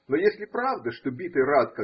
Но если правда, что битый рад.